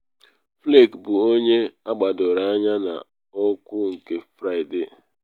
Flake bụ onye agbadoro anya n’okwu nke Fraịde.